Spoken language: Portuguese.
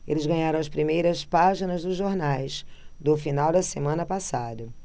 eles ganharam as primeiras páginas dos jornais do final da semana passada